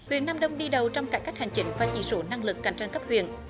huyện nam đông đi đầu trong cải cách hành chính và chỉ số năng lực cạnh tranh cấp huyện